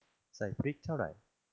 ใส่พริกเท่าไร